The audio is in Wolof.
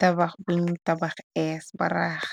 Tabax buñu tabax ees baraax,